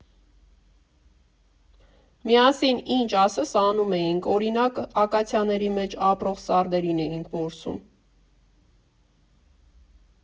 Միասին ինչ ասես անում էինք, օրինակ՝ ակացիաների մեջ ապրող սարդերին էինք որսում։